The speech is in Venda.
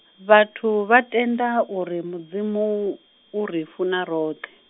vhathu vhatenda uri Mudzimu, uri funa roṱhe.